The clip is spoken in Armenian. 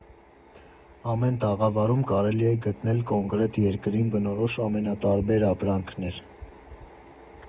Ամեն տաղավարում կարելի է գտնել կոնկրետ երկրին բնորոշ ամենատարբեր ապրանքներ։